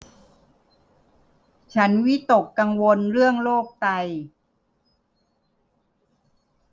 ฉันวิตกกังวลเรื่องโรคไต